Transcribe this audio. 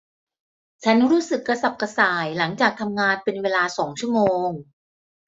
ฉันรู้สึกกระสับกระส่ายหลังจากทำงานเป็นเวลาสองชั่วโมง